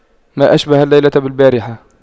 ما أشبه الليلة بالبارحة